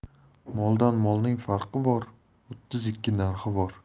moldan molning farqi bor o'ttiz ikki narxi bor